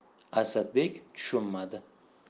asadbek tushunmadi